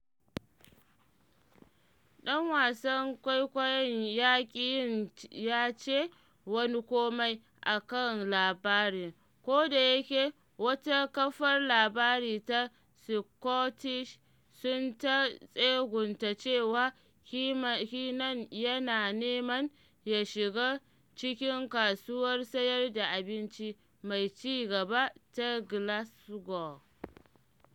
Ɗan wasan kwaikwayon ya ki yin ya ce wani kome a kan labarin, kodayake wata kafar labari ta Scottish Sun ta tsegunta cewa Kiernan yana neman ya shiga cikin “kasuwar sayar da abinci mai ci gaba” ta Glasgow.